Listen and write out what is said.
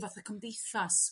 fatha cymdeithas.